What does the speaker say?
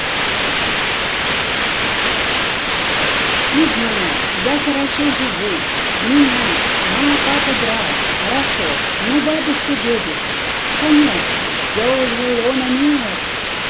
ну знаешь я хорошо живу менять мама папа брат хорошо ну бабушка дедушки конечно все уже лоно мир